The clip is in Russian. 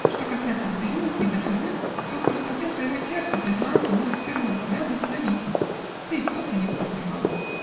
Что касается до белил и до сурьмы, то в простоте своего сердца, признаться, он их с первого взгляда не заметил, да и после не подозревал.